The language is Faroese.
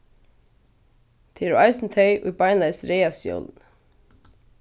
tað eru eisini tey ið beinleiðis ræðast jólini